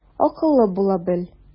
Акыллы була бел.